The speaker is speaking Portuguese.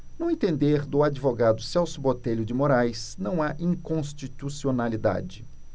no entender do advogado celso botelho de moraes não há inconstitucionalidade